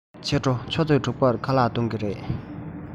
ཕྱི དྲོ ཆུ ཚོད དྲུག པར ཁ ལག གཏོང གི རེད